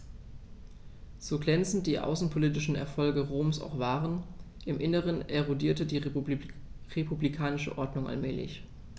So glänzend die außenpolitischen Erfolge Roms auch waren: Im Inneren erodierte die republikanische Ordnung allmählich.